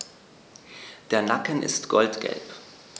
Der Nacken ist goldgelb.